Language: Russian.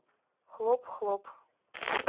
хлоп хлоп